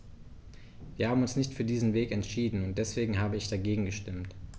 Wir haben uns nicht für diesen Weg entschieden, und deswegen habe ich dagegen gestimmt.